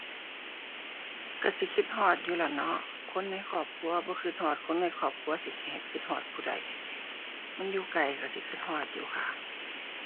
ก็สิคิดฮอดอยู่แหล้วเนาะ คนในครอบครัวบ่ก็ฮอดคนในครอบครัวสิให้ก็ฮอดผู้ใด มันอยู่ไกลก็สิก็ฮอดอยู่ค่ะ